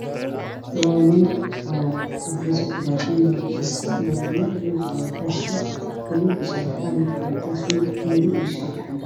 Waa laba nin cusub wataan waxa ay fadhiyaan madaxa xafiis ah waxaa horyaalo laabto cadaan ah